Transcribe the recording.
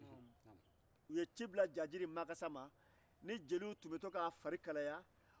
u ye ci bila jajiri makasa ma ni jeliw tun bɛ to k'a fari kalaya